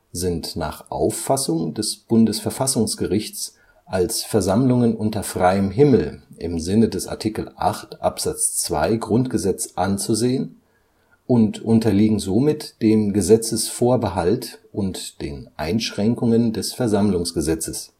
sind nach Auffassung des Bundesverfassungsgerichts als Versammlungen unter freiem Himmel im Sinne des Art. 8 Abs. 2 GG anzusehen und unterliegen somit dem Gesetzesvorbehalt und den Einschränkungen des VersammlG